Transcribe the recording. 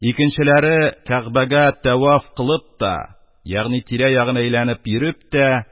Икенчеләре кәгъбәгә тәваф кылып та ягъни тирә-ягын әйләнеп йөреп тә